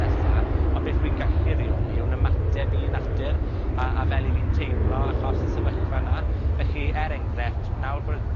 nesa, ond beth wi'n gallu reoli yw'n ymateb i natur, a a fel 'i fi'n teimlo achos y sefyllfa 'na. Felly, er enghrefft, nawr bod y